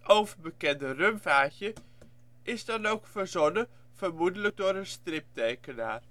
overbekende rum-vaatje is dan ook verzonnen, vermoedelijk door een striptekenaar